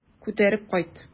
Күтәреп кайт.